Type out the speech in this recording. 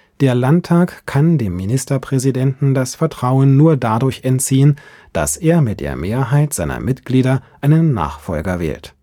Der Landtag kann dem Ministerpräsidenten das Vertrauen nur dadurch entziehen, dass er mit der Mehrheit seiner Mitglieder einen Nachfolger wählt